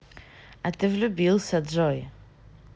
а ты влюбился джой